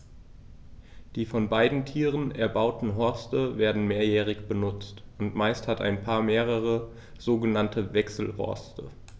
Die von beiden Tieren erbauten Horste werden mehrjährig benutzt, und meist hat ein Paar mehrere sogenannte Wechselhorste.